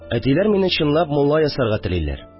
Әтиләр мине чынлап мулла ясарга телиләр